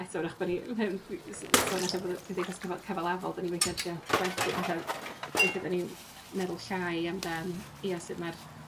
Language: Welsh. eto yr 'w'rach bo' ni sôn eto fod y cymdeithas cyfal- cyfalafol dan ni weithie'n trio gwerthu pethe weithia 'dan ni'n meddwl llai amdan ia sut ma'r